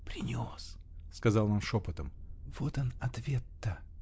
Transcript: -- Принес, -- сказал он шепотом, -- вот он, ответ-то!